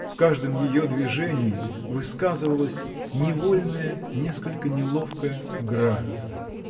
В каждом ее движенье высказывалась невольная, несколько неловкая грация